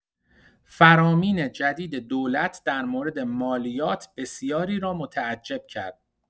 فرامین جدید دولت در مورد مالیات بسیاری را متعجب کرد.